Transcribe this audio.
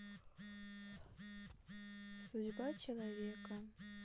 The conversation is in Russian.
судьба человека